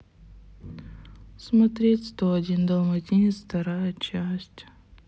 смотреть сто один далматинец вторая часть